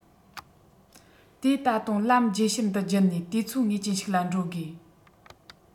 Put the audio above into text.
དེ ད དུང ལམ རྗེས ཤུལ འདི བརྒྱུད ནས དུས ཚོད ངེས ཅན ཞིག ལ འགྲོ དགོས